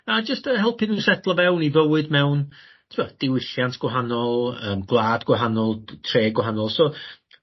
A jyst yy helpu n'w i setlo fewn i fywyd mewn t'wod diwylliant gwahanol yym gwlad gwahanol d- tre gwahanol so